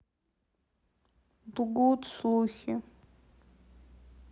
лгут слухи